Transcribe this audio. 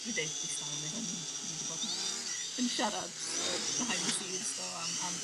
Dwi deud distawrwydd I mean 'dyn ni 'di bod yn yn siarad yy behind the scenes do am am...